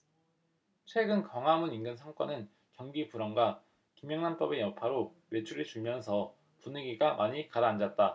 최근 광화문 인근 상권은 경기 불황과 김영란법의 여파로 매출이 줄면서 분위기가 많이 가라앉았다